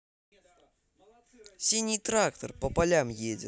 синий трактор по полям едет